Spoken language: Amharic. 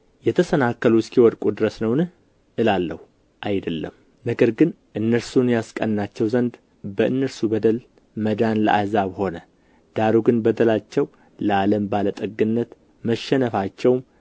የተሰናከሉ እስኪወድቁ ድረስ ነውን እላለሁ አይደለም ነገር ግን እነርሱን ያስቀናቸው ዘንድ በእነርሱ በደል መዳን ለአሕዛብ ሆነ ዳሩ ግን በደላቸው ለዓለም ባለ ጠግነት መሸነፋቸውም